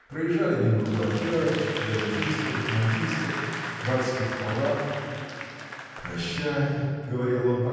Проезжали мимо куаферов, дантистов, модисток, барских палат. Прощай – говорил он